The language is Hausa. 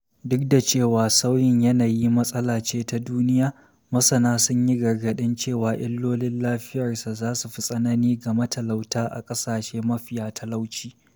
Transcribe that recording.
Duk da cewa sauyin yanayi matsala ce ta duniya, masana sun yi gargaɗin cewa illolin lafiyarsa za su fi tsanani ga matalauta a ƙasashe mafiya talauci.